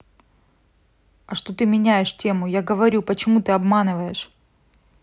а что ты меняешь тему я говорю почему ты обманываешь